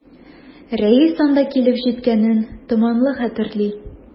Рәис анда килеп җиткәнен томанлы хәтерли.